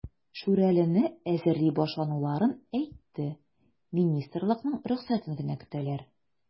"шүрәле"не әзерли башлауларын әйтте, министрлыкның рөхсәтен генә көтәләр.